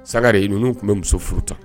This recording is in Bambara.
Sangare e ninnu tun be muso furu tan